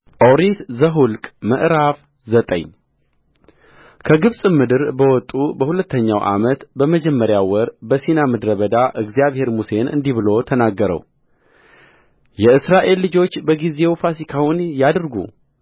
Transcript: ኦሪት ዘኍልቍ ምዕራፍ ዘጠኝ ከግብፅ ምድር በወጡ በሁለተኛው ዓመት በመጀመሪያው ወር በሲና ምድረ በዳ እግዚአብሔር ሙሴን እንዲህ ብሎ ተናገረውየእስራኤል ልጆች በጊዜው ፋሲካውን ያድርጉ